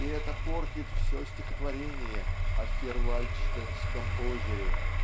и это портит все стихотворение о Фирвальдштетском озере